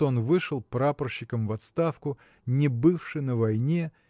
что он вышел прапорщиком в отставку не бывши на войне